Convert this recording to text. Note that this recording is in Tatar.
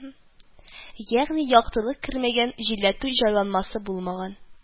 Ягъни яктылык кермәгән, җилләтү җайланмасы булмаган